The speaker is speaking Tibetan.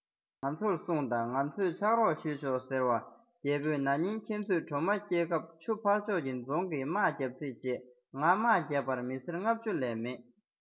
ང ཚོར གསུངས དང ང ཚོས ཕྱག རོགས ཞུས ཆོག ཟེར བར རྒྱལ པོས ན ནིང ཁྱེད ཚོས གྲོ མ བསྐྱལ སྟབས ཆུ ཕར ཕྱོགས ཀྱི རྫོང གིས དམག བརྒྱབ རྩིས བྱེད ང དམག བརྒྱབ པར མི སེར ལྔ བཅུ ཙམ ལས མེད